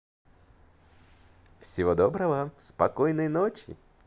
всего доброго спокойной ночи